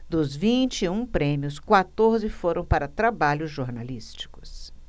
dos vinte e um prêmios quatorze foram para trabalhos jornalísticos